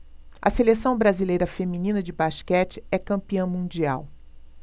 a seleção brasileira feminina de basquete é campeã mundial